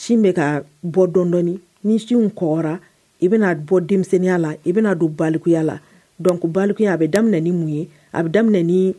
Sin bɛ ka bɔ dɔndɔ nisin kɔra i bɛna bɔ denmisɛnninya la i bɛna don balikuya la dɔnku balikuya a bɛ daminɛ mun ye a bɛ daminɛ